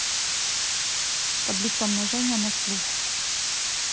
таблица умножения на слух